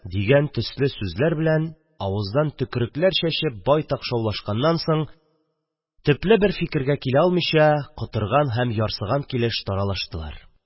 Дигән төсле сүзләр белән, авыздан төкерекләр чәчеп байтак шаулашканнан соң, төпле бер фикергә килә алмыйча, котырган һәм ярсыган килеш таралыштылар.